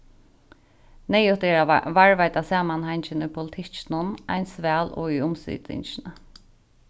neyðugt er at varðveita samanhangin í politikkinum eins væl og í umsitingini